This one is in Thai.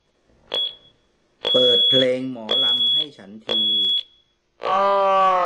เปิดเพลงหมอลำให้ฉันที